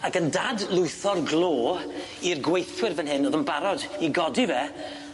ag yn dadlwytho'r glo i'r gweithwyr fyn hyn o'dd yn barod i godi fe